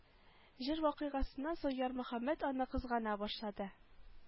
Җыр вакыйгасыннан соң ярмөхәммәт аны кызгана башлады